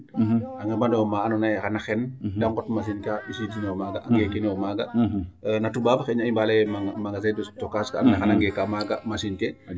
A nqembanooyo maa andoona ye xana xen de nqot machine kaa a ɓisiidinooyo, maaga a geekainooyo maaga a toubab xayna i mbaaleye magazin de stockage kaa andoona yee xana ngeeka maaga machine ke.